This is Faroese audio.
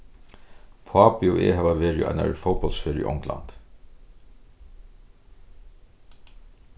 pápi og eg hava verið á einari fótbóltsferð í onglandi